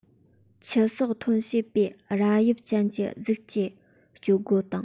ཆུ ཟགས ཐོན བྱེད པའི རྭ དབྱིབས ཅན གྱི གཟུགས ཀྱི སྤྱོད སྒོ དང